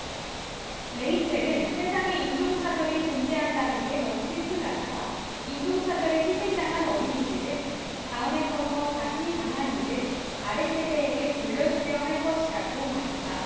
레이첼은 세상에 인종차별이 존재한다는 게 너무 슬프다며 인종차별에 희생당한 어린이들은 다음에 커서 자신이 당한 일을 아래 세대에게 돌려주려 할 것이라고 말했다